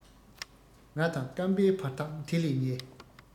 ང དང བརྐམ པའི བར ཐག དེ ལས ཉེ